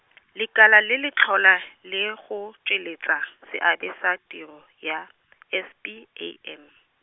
lekala le le tlhola, le go tsweletsa, seabe sa tiro, ya , S P A M.